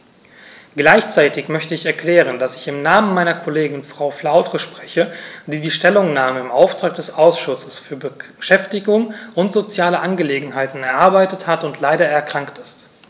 Gleichzeitig möchte ich erklären, dass ich im Namen meiner Kollegin Frau Flautre spreche, die die Stellungnahme im Auftrag des Ausschusses für Beschäftigung und soziale Angelegenheiten erarbeitet hat und leider erkrankt ist.